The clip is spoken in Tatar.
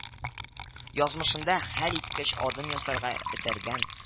Язмышында хәлиткеч адым ясарга этәргән